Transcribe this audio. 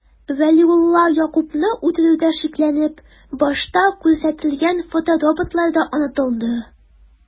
Вәлиулла Ягъкубны үтерүдә шикләнеп, башта күрсәтелгән фотороботлар да онытылды...